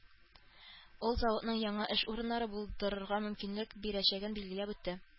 Ул заводның яңа эш урыннары булдырырга мөмкинлек бирәчәген билгеләп үтте